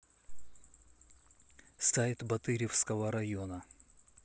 сайт батыревского района